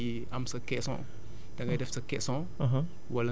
mooy boobu nga xamante ni da ngay am sa caisson